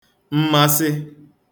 mmasị